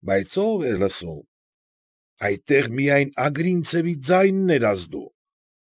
Բայց ո՞վ էր լսում։ Այստեղ միայն Ագրինցևի ձայնն էր ազդու։